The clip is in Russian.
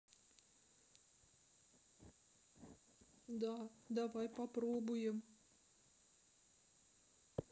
да давай попробуем